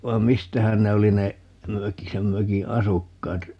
vai mistähän ne oli ne mökin sen mökin asukkaat